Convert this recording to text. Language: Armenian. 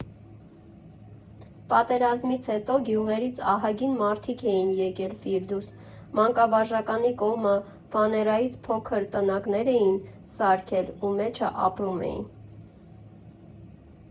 Պատերազմից հետո գյուղերից ահագին մարդիկ էին եկել Ֆիրդուս, մանկավարժականի կողմը ֆաներայից փոքր տնակներ էին սարքել ու մեջը ապրում էին։